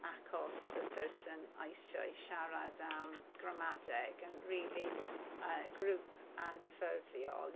Achos y person eisiau siarad am gramadeg yn rili yy grŵp anffurfiol.